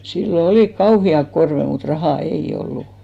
silloin olivat kauheat korvet mutta rahaa ei ollut